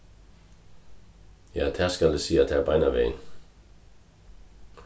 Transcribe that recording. ja tað skal eg siga tær beinanvegin